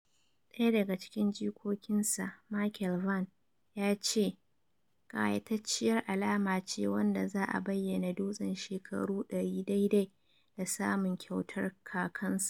Ɗaya daga cikin jikokinsa, Michael Vann, ya ce "kayatacciyar alama" ce wanda za a bayyana dutsen shekaru 100 daidai da samun kyautar kakansa.